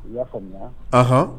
Anɔn